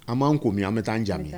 An b'an ko an bɛ taa'an jaabi